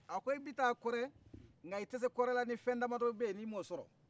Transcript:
a ko i bɛ taa kɔrɛ nka i tɛ se kɔrɛ la ni fɛn damadɔ bɛ yen n'i m'o sɔrɔ